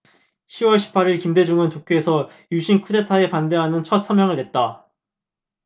시 월 십 팔 일 김대중은 도쿄에서 유신 쿠데타에 반대하는 첫 성명을 냈다